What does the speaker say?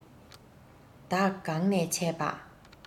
བདག གང ནས ཆས པ